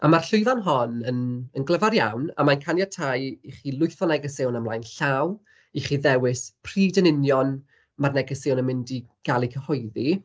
A ma'r llwyfan hon yn yn glyfar iawn, a ma'n caniatáu i chi lwytho negeseuon ymlaen llaw, i chi ddewis pryd yn union ma'r negeseuon yn mynd i gael eu cyhoeddi.